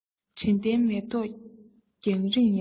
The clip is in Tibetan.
དྲི ལྡན མེ ཏོག རྒྱང རིང ཡང